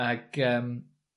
Ag yym.